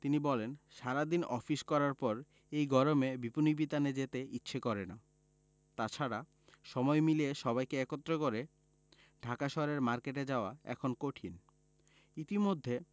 তিনি বলেন সারা দিন অফিস করার পর এই গরমে বিপণিবিতানে যেতে ইচ্ছে করে না তা ছাড়া সময় মিলিয়ে সবাইকে একত্র করে ঢাকা শহরের মার্কেটে যাওয়া এখন কঠিন ইতিমধ্যে